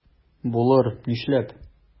Булыр, нишләп?